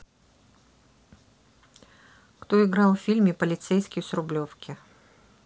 кто играл в фильме полицейский с рублевки